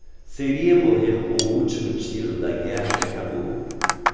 seria morrer com o último tiro da guerra que acabou